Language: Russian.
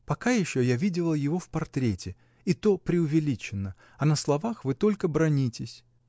— Пока еще я видела его в портрете, и то преувеличенно, а на словах вы только бранитесь.